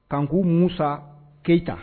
Kanku Musa Keita